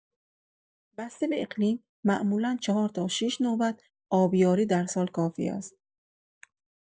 بسته به اقلیم، معمولا ۴ تا ۶ نوبت آبیاری در سال کافی است.